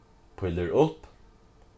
pílur upp